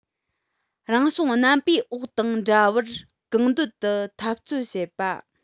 རང བྱུང རྣམ པའི འོག དང འདྲ བར གང འདོད དུ འཐབ རྩོད བྱེད པ དང